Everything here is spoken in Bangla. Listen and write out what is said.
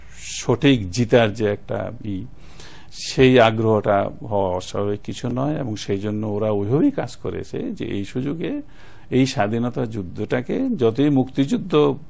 সঠিক জিতার যে একটা ই সেই আগ্রহটা হওয়া অস্বাভাবিক কিছু নয় এবং সে জন্য ওরা ওভাবেই কাজ করেছে যে এই সুযোগে এ স্বাধীনতা যুদ্ধটা কে যতই মুক্তিযুদ্ধ